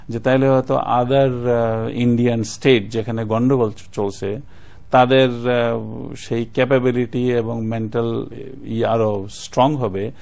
যে তাইলে হয়তো আদার ইন্ডিয়ান স্টেট যেখানে গন্ডগোল চলছে তাদের সেই ক্যাপাবিলিটি এবং মেন্টালি আরো স্ট্রং হবে